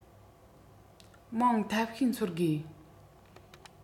མང ཐབས ཤེས འཚོལ དགོས